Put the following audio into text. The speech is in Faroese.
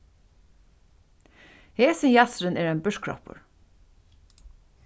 hesin jassurin er ein búrkroppur